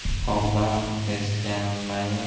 tog'dan esgan mayin